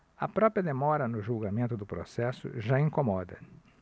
a própria demora no julgamento do processo já incomoda